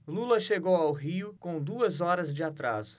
lula chegou ao rio com duas horas de atraso